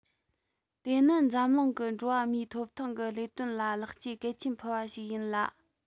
དེ ནི འཛམ གླིང གི འགྲོ བ མིའི ཐོབ ཐང གི ལས དོན ལ ལེགས སྐྱེས གལ ཆེན ཕུལ བ ཞིག ཡིན ལ